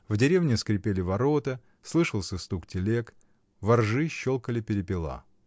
в деревне скрипели ворота, слышался стук телег во ржи щелкали перепела.